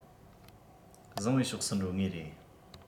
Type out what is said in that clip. བཟང བའི ཕྱོགས སུ འགྲོ ངེས རེད